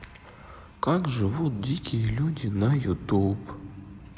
как живут дикие люди на ютуб